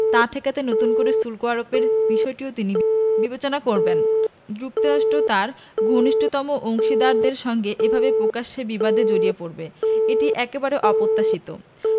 তা ঠেকাতে নতুন করে শুল্ক আরোপের বিষয়টিও তিনি বিবেচনা করবেন যুক্তরাষ্ট্র তার ঘনিষ্ঠতম অংশীদারদের সঙ্গে এভাবে প্রকাশ্যে বিবাদে জড়িয়ে পড়বে এটি একেবারে অপ্রত্যাশিত